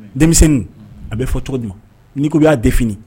Denmisɛnnin a bɛ fɔ cogo min n'i ko i b'a défini